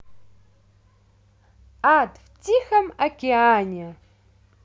ад в тихом океане